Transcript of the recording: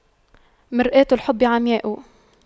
مرآة الحب عمياء